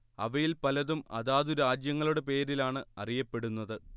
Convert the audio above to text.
അവയിൽ പലതും അതാതു രാജ്യങ്ങളുടെ പേരിലാണ് അറിയപ്പെടുന്നത്